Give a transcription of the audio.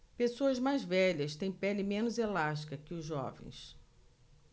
pessoas mais velhas têm pele menos elástica que os jovens